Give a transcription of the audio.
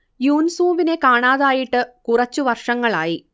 യൂൻസൂവിനെ കാണാതായിട്ട് കുറച്ചു വർഷങ്ങൾ ആയി